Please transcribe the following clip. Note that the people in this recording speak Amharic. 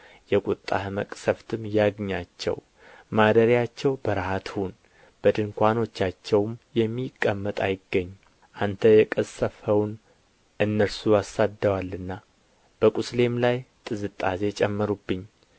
የቍጣህ መቅሠፍትም ያግኛቸው ማደሪያቸው በረሃ ትሁን በድንኳኖቻቸውም የሚቀመጥ አይገኝ አንተ የቀሠፍኸውን እነርሱ አሳድደዋልና በቍስሌም ላይ ጥዝጣዜ ጨመሩብኝ